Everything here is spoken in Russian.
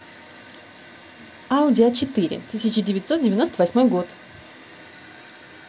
audi a четыре тысяча девятьсот девяносто восьмой год